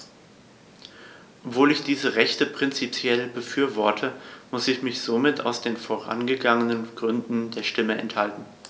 Obwohl ich diese Rechte prinzipiell befürworte, musste ich mich somit aus den vorgenannten Gründen der Stimme enthalten.